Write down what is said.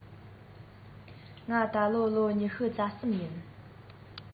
ང ད ལོ ལོ ཉི ཤུ རྩ གསུམ ཡིན